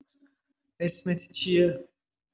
اسمت چیه